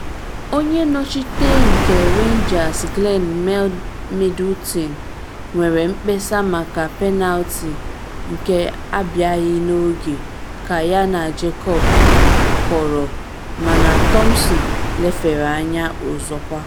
Onye nnọchite nke Rangers Glenn Middleton nwere mkpesa maka penaliti nke abịaghị n’oge ka ya na Jacobs kụkọrọ mana Thomson lefere anya ọzọkwa.